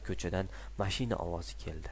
ko'chadan mashina ovozi keldi